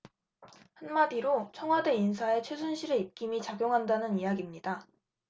한 마디로 청와대 인사에 최순실의 입김이 작용한다는 이야깁니다